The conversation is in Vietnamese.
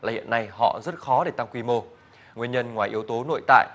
là hiện nay họ rất khó để tăng quy mô nguyên nhân ngoài yếu tố nội tại